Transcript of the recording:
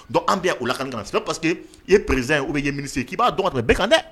Donc an bɛ yan o la kani kana c'est pas parce que i ye président ye ou bien i ye ministre ye k'i b'a dɔn ka tɛmɛ bɛɛ kan dɛ